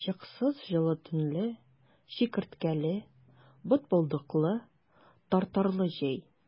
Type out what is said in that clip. Чыксыз җылы төнле, чикерткәле, бытбылдыклы, тартарлы җәй!